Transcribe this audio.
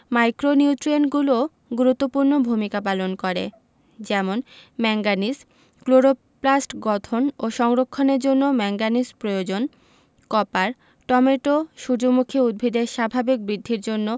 মাইক্রোনিউট্রিয়েন্টগুলোও গুরুত্বপূর্ণ ভূমিকা পালন করে যেমন ম্যাংগানিজ ক্লোরোপ্লাস্ট গঠন ও সংরক্ষণের জন্য ম্যাংগানিজ প্রয়োজন কপার টমেটো সূর্যমুখী উদ্ভিদের স্বাভাবিক বৃদ্ধির জন্য